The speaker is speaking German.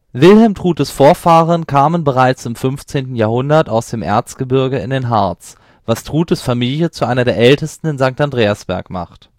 Wilhelm Trutes Vorfahren kamen bereits im 15. Jahrhundert aus dem Erzgebirge in den Harz was Trutes Familie zu einer der ältesten in Sankt Andreasberg macht